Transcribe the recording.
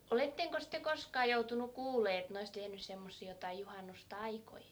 olettekos te koskaan joutunut kuulemaan että ne olisi tehnyt semmoisia jotakin juhannustaikoja